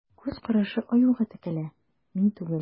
Күз карашы Аюга текәлә: мин түгел.